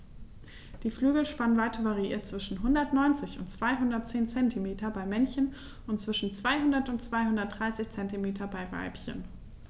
Die Flügelspannweite variiert zwischen 190 und 210 cm beim Männchen und zwischen 200 und 230 cm beim Weibchen.